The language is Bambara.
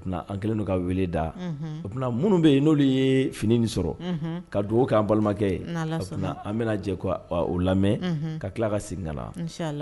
An kelen don ka wele da, unhun, o tumana minnu bɛ yen n'o ye fini nin sɔrɔ ka dugawu kɛ an balimakɛ ye, n'Ala sɔnna, an bɛna jɛ o lamɛn, unhun, ka tila ka segin ka na, nsalawu